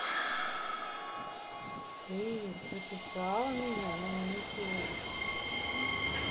ты записал меня на маникюр